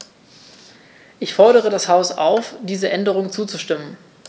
Ich fordere das Haus auf, diesen Änderungen zuzustimmen.